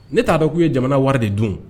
Ne t'a dɔn k uu ye jamana wari de dun